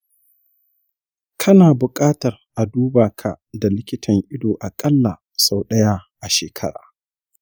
kana buƙatar a duba ka da likitan ido aƙalla sau ɗaya a shekara.